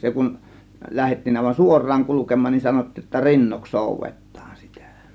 se kun lähdettiin aivan suoraan kulkemaan niin sanottiin jotta rinnoiksi soudetaan sitä